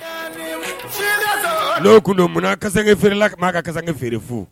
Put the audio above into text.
No kundo munna kasange feerela ma ka kasange feere fu?